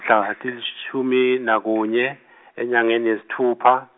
-mlaha tilishumi nakunye, enyangeni yesitfupha.